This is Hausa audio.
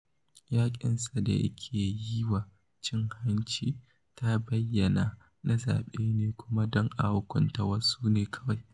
Yaƙinsa da yake yi wa cin hanci ta bayyana na zaɓa ne kuma don a hukunta wasu ne kawai.